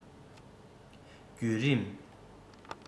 བརྒྱུད རིམ